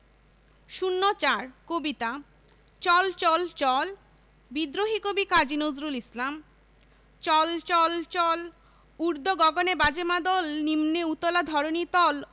০৪ কবিতা চল চল চল বিদ্রোহী কবি কাজী নজরুল ইসলাম চল চল চল ঊর্ধ্ব গগনে বাজে মাদল নিম্নে উতলা ধরণি তল